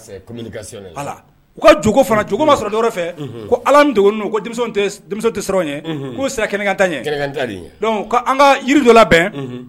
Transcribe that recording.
Ala tɛkan ka jiri dɔ labɛn